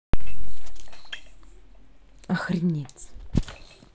охренеть